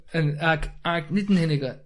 ...yn ag ag nid yn unig y